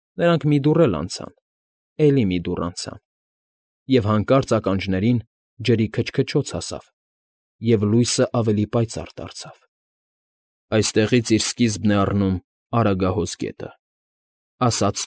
Նրանք մի դուռ էլ անցան, էլի մի դուռ անցան, և հանկարծ ականջներին ջրի քչքչոց հասավ, և լույսն ավելի պայծառ դարձավ։ ֊ Այստեղից իր սկիզբն է առնում Արագահոս գետը,֊ ասաց։